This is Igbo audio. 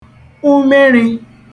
umerē